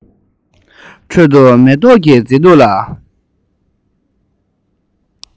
ཁྲོད དུ མེ ཏོག གི མཛེས སྡུག ལ